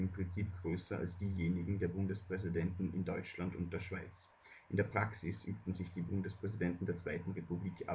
Prinzip größer als diejenigen der Bundespräsidenten in Deutschland und der Schweiz. In der Praxis übten sich die Bundespräsidenten der Zweiten Republik